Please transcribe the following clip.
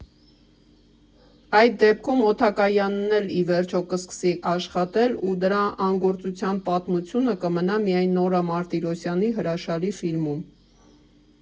Այդ դեպքում օդակայանն էլ ի վերջո կսկսի աշխատել, ու դրա անգործության պատմությունը կմնա միայն Նորա Մարտիրոսյանի հրաշալի ֆիլմում։